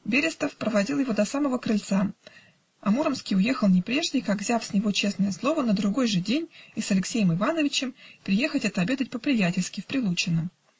Берестов проводил его до самого крыльца, а Муромский уехал не прежде, как взяв с него честное слово на другой же день (и с Алексеем Ивановичем) приехать отобедать по-приятельски в Прилучино.